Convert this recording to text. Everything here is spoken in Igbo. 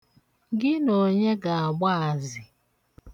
Gị na onye ga-agba azị?